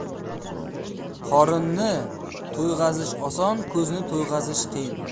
qorinni to'yg'azish oson ko'zni to'yg'azish qiyin